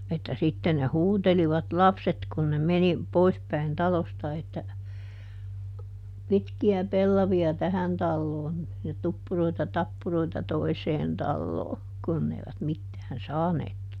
että sitten ne huutelivat lapset kun ne meni poispäin talosta että pitkiä pellavia tähän taloon ja tuppuroita tappuroita toiseen taloon kun eivät mitään saaneet